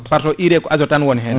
par ce urée ko azote tan woni hen